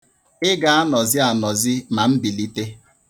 Ị ga-anọzi anọzi ma m bilite.